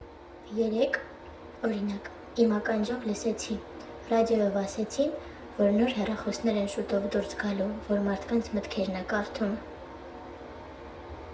Երեկ, օրինակ, իմ ականջով լսեցի՝ ռադիոյով ասեցին, որ նոր հեռախոսներ են շուտով դուրս գալու, որ մարդկանց մտքերն ա կարդում։